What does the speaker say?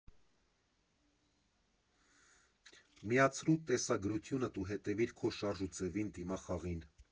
Միացրու տեսագրությունդ ու հետևիր քո շարժուձևին, դիմախաղին։